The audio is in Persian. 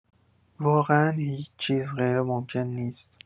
واقعا هیچ‌چیز غیرممکن نیست